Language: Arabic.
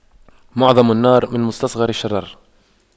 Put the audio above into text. معظم النار من مستصغر الشرر